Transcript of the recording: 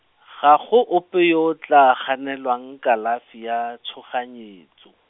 ga go ope yo o tla ganelwang kalafi ya tshoganyetso.